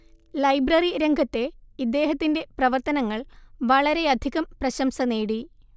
library രംഗത്തെ ഇദ്ദേഹത്തിന്റെ പ്രവർത്തനങ്ങൾ വളരെയധികം പ്രശംസ നേടി